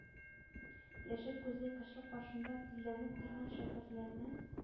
Яшел күзле кеше, каршында тезләнеп торган шәкертләрнең